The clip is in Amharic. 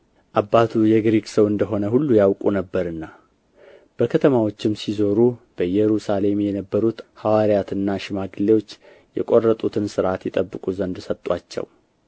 አባቱ የግሪክ ሰው እንደ ሆነ ሁሉ ያውቁ ነበርና በከተማዎችም ሲዞሩ በኢየሩሳሌም የነበሩት ሐዋርያትና ሽማግሌዎች የቈረጡትን ሥርዓት ይጠብቁ ዘንድ ሰጡአቸው